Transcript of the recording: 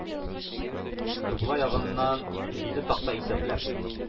Кыйбла ягыннан җиде такта исәпләп,